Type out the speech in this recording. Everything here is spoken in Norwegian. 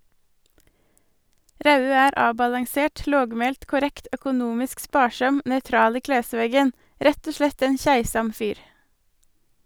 Rauø er avbalansert, lågmælt, korrekt, økonomisk sparsam, nøytral i klesvegen - rett og slett ein keisam fyr.